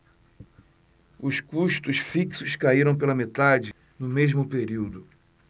os custos fixos caíram pela metade no mesmo período